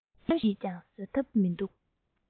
རྣམ ཤེས ཀྱིས ཀྱང བཟོད ཐབས མི འདུག